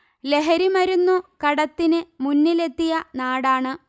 ലഹരിമരുന്നു കടത്തിന് മുന്നിലെത്തിയ നാടാണ്